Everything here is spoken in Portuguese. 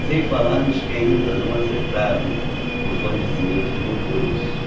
sem falar nos que ainda não acertaram o fornecimento de motores